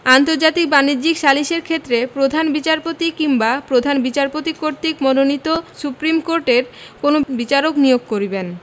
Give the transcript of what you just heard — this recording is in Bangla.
আন্তর্জাতিক বাণিজ্যিক সালিসের ক্ষেত্রে প্রধান বিচারপতি কিংবা প্রধান বিচারপতি কর্তৃক মনোনীত সুপ্রীম কোর্টের কোন বিচারক নিয়োগ করিবেন